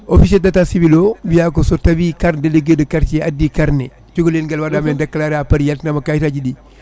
officier d' état civil o wiya ko so tawi carnet délégué de quartier addi carnet cukalel nguel waɗama déclaré ha paari yaltinama kayitaji ɗi